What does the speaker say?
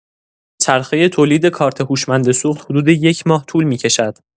چرخه تولید کارت هوشمند سوخت، حدود یک ماه طول می‌کشد.